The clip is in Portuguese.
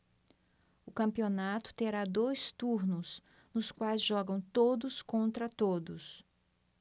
o campeonato terá dois turnos nos quais jogam todos contra todos